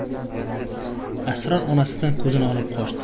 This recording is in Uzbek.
sror onasidan ko'zini olib qochdi